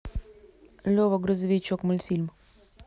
лева грузовичок мультфильм